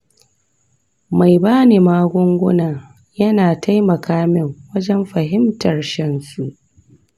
mai bani magunguna yana taimaka min wajan fahimtar shan su.